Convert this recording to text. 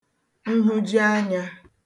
mhụjuanyā